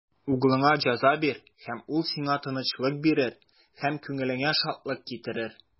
Углыңа җәза бир, һәм ул сиңа тынычлык бирер, һәм күңелеңә шатлык китерер.